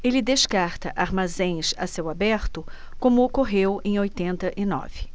ele descarta armazéns a céu aberto como ocorreu em oitenta e nove